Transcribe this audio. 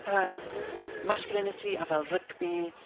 yym masculinity a fel rygbi...